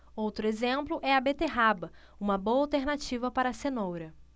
outro exemplo é a beterraba uma boa alternativa para a cenoura